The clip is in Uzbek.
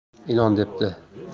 ilon debdi